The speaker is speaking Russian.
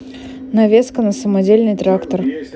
навеска на самодельный трактор